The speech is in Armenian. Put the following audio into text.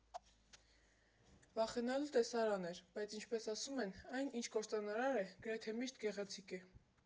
Վախենալու տեսարան էր, բայց ինչպես ասում են՝ այն, ինչ կործանարար է, գրեթե միշտ գեղեցիկ է։